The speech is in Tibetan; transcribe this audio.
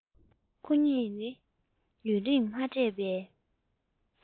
ཁོ གཉིས ནི ཡུན རིང མ འཕྲད པའི